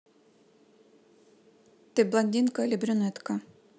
ты блондинка или брюнетка